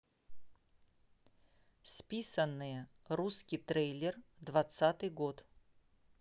списанные русский трейлер двадцатый год